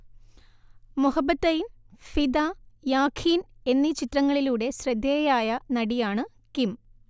മൊഹബത്തെയ്ൻ, ഫിദ, യാഖീൻ എന്നീ ചിത്രങ്ങളിലൂടെ ശ്രദ്ധേയയായ നടിയാണ് കിം